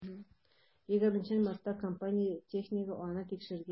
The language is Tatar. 20 мартта компания технигы аны тикшергән.